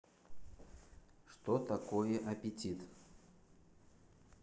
что такое аппетит